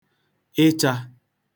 ịchā